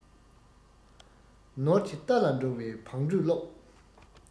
ནོར གྱི རྟ ལ འགྲོ བའི བང འགྲོས སློབས